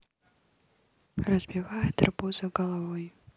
разбивает арбузы головой